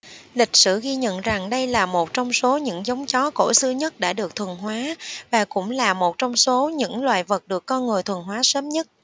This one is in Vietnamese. lịch sử ghi nhận rằng đây là một trong số những giống chó cổ xưa nhất đã được thuần hóa và cũng là một trong số những loài vật được con người thuần hóa sớm nhất